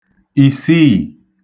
ìsiì